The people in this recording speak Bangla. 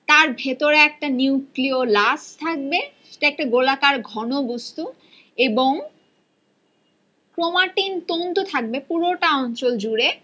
তার ভেতরে একটা নিউক্লিওলাস থাকবে গোলাকার ঘনবস্তু এবং ক্রোমাটিন তন্তু থাকবে পুরোটা অঞ্চল জুড়ে